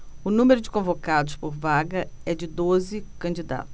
o número de convocados por vaga é de doze candidatos